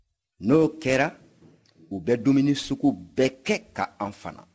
n'o kɛra u bɛ dumuni sugu bɛɛ kɛ ka an fana